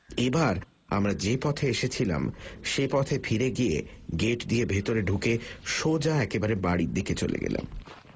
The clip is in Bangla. এবার আমরা যে পথে এসেছিলাম সে পথে গিয়ে গেট দিয়ে ভিতরে ঢুকে সোজা একেবারে বাড়ির দিকে চলে গেলাম